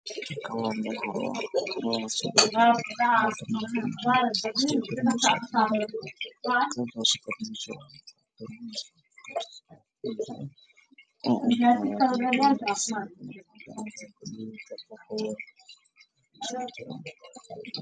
Meeshaan waxaa yaalla darmuusiyo fara badan oo burbur xun kaarkoodu yahay cadaan qaxwi iyo madow p